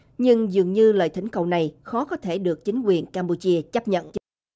nhưng dường như lời thỉnh cầu này khó có thể được chính quyền cam pu chia chấp nhận